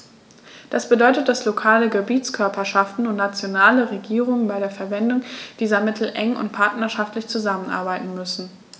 Das bedeutet, dass lokale Gebietskörperschaften und nationale Regierungen bei der Verwendung dieser Mittel eng und partnerschaftlich zusammenarbeiten müssen.